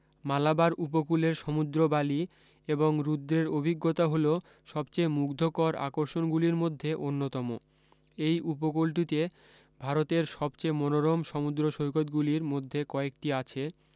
মালাবার উপকূলের সমুদ্র বালি এবং রুদ্রের অভিজ্ঞতা হল সবচেয়ে মুগ্ধকর আকর্ষণগুলির মধ্যে অন্যতম এই উপকূলটিতে ভারতের সবচেয়ে মনোরম সমুদ্র সৈকতগুলির মধ্যে কয়েকটি আছে